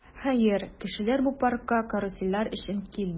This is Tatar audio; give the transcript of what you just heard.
Хәер, кешеләр бу паркка карусельләр өчен килми.